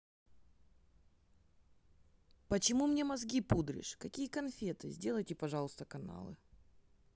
почему мне мозги пудришь какие конфеты сделайте пожалуйста каналы